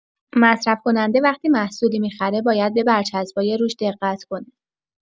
مصرف‌کننده وقتی محصولی می‌خره باید به برچسبای روش دقت کنه.